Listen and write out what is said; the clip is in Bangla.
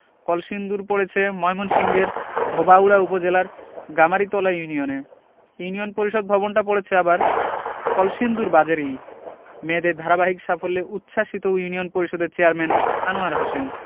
কলসিন্দুর পড়েছে ময়মনসিংহের ধোবাউড়া উপজেলার গামারিতলা ইউনিয়নে ইউনিয়ন পরিষদ ভবনটা পড়েছে আবার কলসিন্দুর বাজারেই মেয়েদের ধারাবাহিক সাফল্যে উচ্ছ্বাসিত ইউনিয়ন পরিষদের চেয়ারম্যান আনোয়ার হোসেন